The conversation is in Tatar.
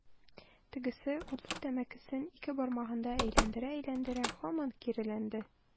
Тегесе, утлы тәмәкесен ике бармагында әйләндерә-әйләндерә, һаман киреләнде.